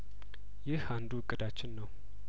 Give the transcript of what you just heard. ይህ አንዱ እቅዳችን ነው